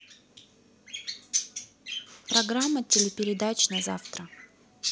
программа телепередач на завтра